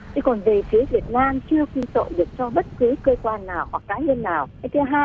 chứ còn về phía việt nam chưa quy chọn được cho bất cứ cơ quan nào hoặc cá nhân nào cái thứ hai